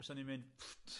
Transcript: Byswn i'n mynd .